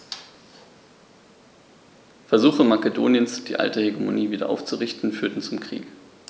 Versuche Makedoniens, die alte Hegemonie wieder aufzurichten, führten zum Krieg.